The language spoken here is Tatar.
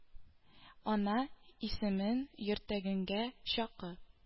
Ана исемен йөртәгенгә чакы